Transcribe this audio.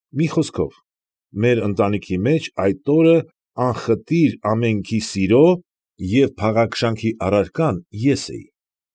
Մի խոսքով, մեր ընտանիքի մեջ այդ օրն անխտիր ամենքի սիրո և փաղաքշանքի առարկան ես էի։